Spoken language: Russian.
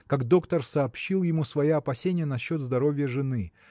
как доктор сообщил ему свои опасения насчет здоровья жены